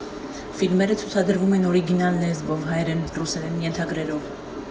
Ֆիլմերը ցուցադրվում են օրիգինալ լեզվով՝ հայերեն ու ռուսերեն ենթագրերով։